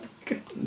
God!